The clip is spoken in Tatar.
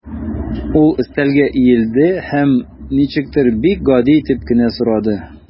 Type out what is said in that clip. Ул өстәлгә иелде һәм ничектер бик гади итеп кенә сорады.